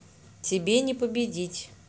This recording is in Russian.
тебе не победить